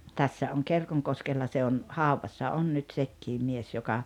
tässä on Kerkonkoskella se on haudassa on nyt sekin mies joka